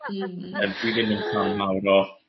. Yym dwi ddim yn ffan mawr o...